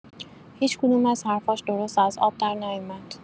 هیچ کدوم از حرفاش درست از آب در نیومد!